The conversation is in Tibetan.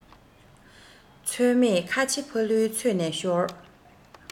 ཚོད མེད ཁ ཆེ ཕ ལུའི ཚོད ནས ཤོར